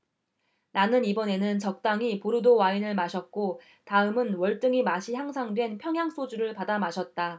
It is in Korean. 나는 이번에는 적당히 보르도 와인을 마셨고 다음은 월등히 맛이 향상된 평양 소주를 받아 마셨다